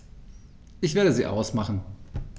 Ich werde sie ausmachen.